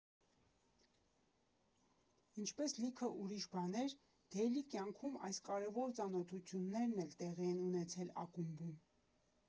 Ինչպես լիքը ուրիշ բաներ Դեյլի կյանքում, այս կարևոր ծանոթություններն էլ տեղի են ունեցել ակումբում։